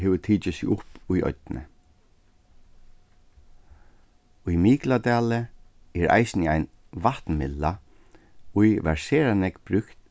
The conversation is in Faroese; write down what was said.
hevur tikið seg upp í oynni í mikladali er eisini ein vatnmylla ið var sera nógv brúkt